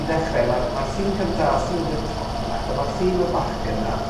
i ddechre ma'r ma'r llun cynta os ti'n mynd i'r top fanna 't'o ma'r llun o'r bachgyn 'na